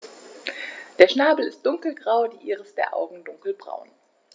Der Schnabel ist dunkelgrau, die Iris der Augen dunkelbraun.